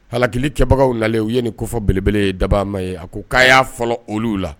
Hakiliki cɛbabagaw lalen u ye ninfɔ belebele ye dabama ye a ko k'a y'a fɔ olu la